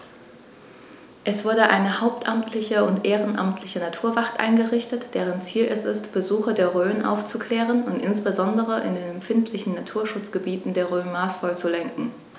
Es wurde eine hauptamtliche und ehrenamtliche Naturwacht eingerichtet, deren Ziel es ist, Besucher der Rhön aufzuklären und insbesondere in den empfindlichen Naturschutzgebieten der Rhön maßvoll zu lenken.